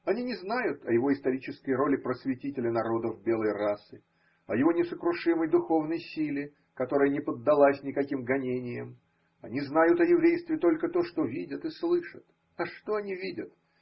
Они не знают о его исторической роли просветителя народов белой расы, о его несокрушимой духовной силе, которая не поддалась никаким гонениям: они знают о еврействе только то, что видят и слышат. А что они видят?